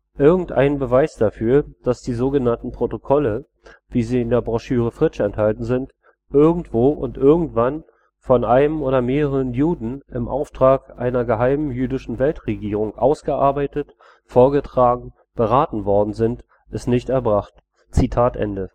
Irgend ein Beweis dafür, dass die sog. Protokolle, wie sie in der Broschüre Fritsch enthalten sind, irgendwo und irgendwann von einem oder mehreren Juden im Auftrag einer geheimen jüdischen Weltregierung ausgearbeitet, vorgetragen, beraten worden sind, ist nicht erbracht worden